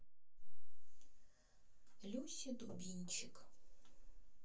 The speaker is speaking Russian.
люси дубинчик